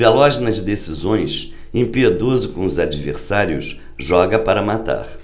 veloz nas decisões impiedoso com os adversários joga para matar